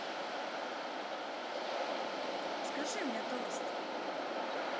скажи мне тост